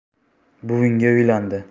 buvingga uylandi